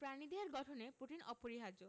প্রাণীদেহের গঠনে প্রোটিন অপরিহার্য